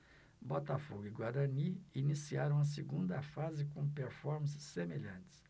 botafogo e guarani iniciaram a segunda fase com performances semelhantes